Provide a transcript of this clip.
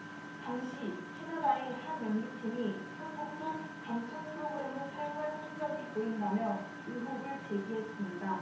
당시 캐나다의 한 연구팀이 한국도 감청프로그램을 사용한 흔적이 보인다며 의혹을 제기했습니다